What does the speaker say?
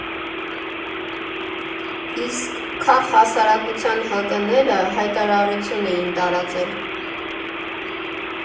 Իսկ քաղհասարակության ՀԿ֊ները հայտարարություն էին տարածել։